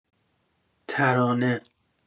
ترانه